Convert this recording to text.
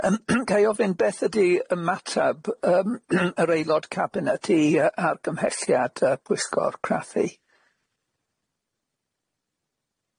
Yym ga'i ofyn beth ydi ymateb yym yr aelod cabinet i yy a'r gymhelliad yy gwisgo'r craffu?